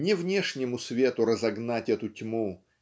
не внешнему свету разогнать эту тьму